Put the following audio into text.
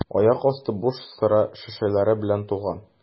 Аяк асты буш сыра шешәләре белән тулган.